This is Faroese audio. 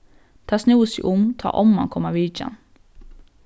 tað snúði seg um tá omman kom á vitjan